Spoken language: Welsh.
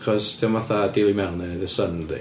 Achos 'di o'm fatha Daily Mail neu The Sun nadi.